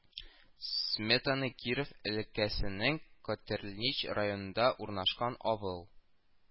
Сметаны Киров өлкәсенең Котерльнич районында урнашкан авыл